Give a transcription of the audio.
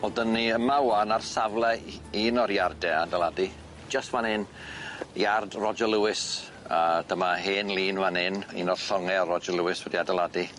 Wel 'dyn ni yma 'wan ar safle u- un o'r iarde adeladu jyst fan 'yn iard Roger Lewis a dyma hen lun fan 'yn un o'r llonge o' Roger Lewis wedi adeladu.